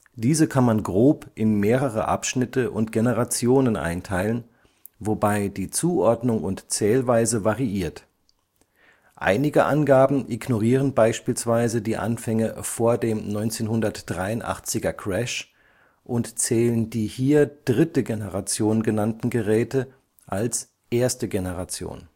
Diese kann man grob in mehrere Abschnitte und Generationen einteilen (s. Literatur), wobei die Zuordnung und Zählweise variiert. Einige Angaben ignorieren beispielsweise die Anfänge vor dem 1983er-Crash und zählen die hier „ dritte Generation “genannten Geräte als „ erste Generation